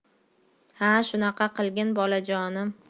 ha shunaqa qilgin bolajonim